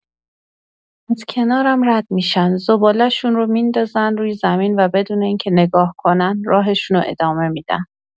از کنارم رد می‌شن، زباله‌شون رو می‌ندازن روی زمین و بدون اینکه نگاه کنن، راهشون رو ادامه می‌دن.